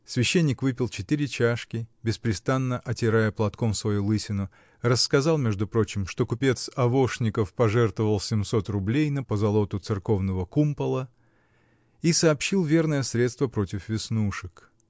Священник выпил четыре чашки, беспрестанно отирая платком свою лысину, рассказал, между прочим, что купец Авошников пожертвовал семьсот рублей на позолоту церковного "кумпола", и сообщил верное средство против веснушек.